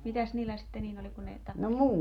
mitäs niillä sitten niin oli kun ne tappeli